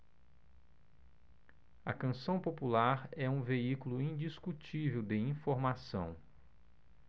a canção popular é um veículo indiscutível de informação